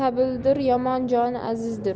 yomon joni azizdir